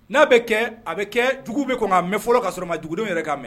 N'a bɛ kɛ a bɛ kɛ dugu bɛ kɔnɔ a mɛ fɔlɔ ka sɔrɔ ma dugudenw yɛrɛ k' mɛn